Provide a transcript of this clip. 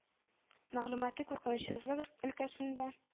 Мәгълүмати куркынычсызлык өлкәсендә